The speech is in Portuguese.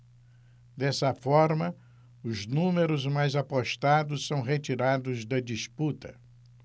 dessa forma os números mais apostados são retirados da disputa